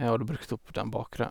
Jeg hadde brukt opp den bakre.